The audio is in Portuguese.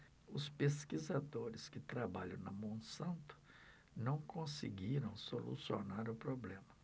os pesquisadores que trabalham na monsanto não conseguiram solucionar o problema